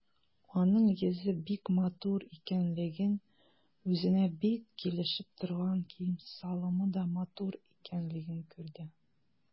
Аның йөзе бик матур икәнлеген, үзенә бик килешеп торган кием-салымы да матур икәнлеген күрде.